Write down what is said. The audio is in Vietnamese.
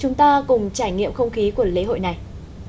chúng ta cùng trải nghiệm không khí của lễ hội này